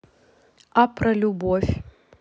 а про любовь